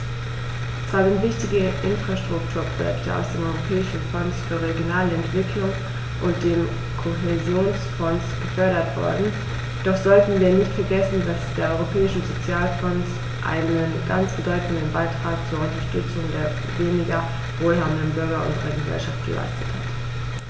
Zwar sind wichtige Infrastrukturprojekte aus dem Europäischen Fonds für regionale Entwicklung und dem Kohäsionsfonds gefördert worden, doch sollten wir nicht vergessen, dass der Europäische Sozialfonds einen ganz bedeutenden Beitrag zur Unterstützung der weniger wohlhabenden Bürger unserer Gesellschaft geleistet hat.